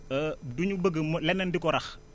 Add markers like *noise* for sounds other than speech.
*hesitation* du ñu bëgg mu leneen di ko rax